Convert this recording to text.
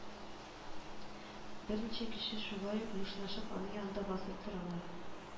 Берничә кеше, шулай ук мышнашып аның янында басып торалар